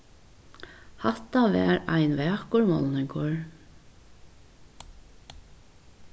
hatta var ein vakur málningur